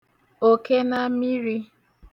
òkenamirī